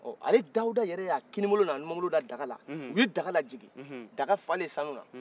oh ale dawuda yɛrɛ y'a kini bolo n'a numa bolo da daga la u ye daga lajiguin daga falen sanuna